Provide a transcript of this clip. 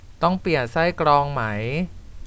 ต้องเปลี่ยนไส้กรองไหม